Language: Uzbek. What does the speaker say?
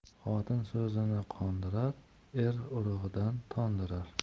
xotin so'zini qondirar er urug'idan tondirar